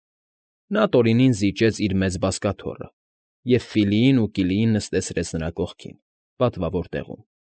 Նա Տորինին զիջեց իր մեծ բազկաթոռը և Ֆիլիին ու Կիլիին նստացրեց նրա կողքին, պատվավոր տեղում։